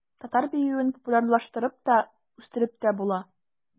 Татар биюен популярлаштырып та, үстереп тә була.